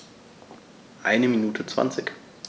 Eine Minute 20